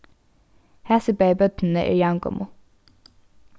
hasi bæði børnini eru javngomul